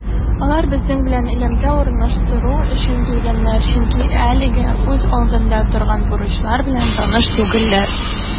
Алар безнең белән элемтә урнаштыру өчен килгәннәр, чөнки әлегә үз алдында торган бурычлар белән таныш түгелләр.